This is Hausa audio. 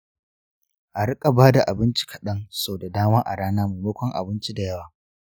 a riƙa ba da abinci kaɗan sau da dama a rana maimakon abinci da yawa.